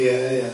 Ia ia.